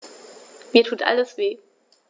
Mir tut alles weh.